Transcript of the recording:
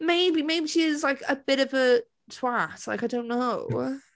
Maybe, maybe she is like, a bit of a twat like I don't know.